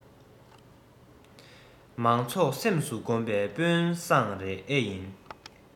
མང ཚོགས སེམས སུ བསྒོམས པའི དཔོན བཟང རང ཨེ ཡིན